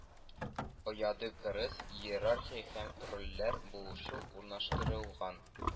Ояда кырыс иерархия һәм рольләр булышу урнаштырылган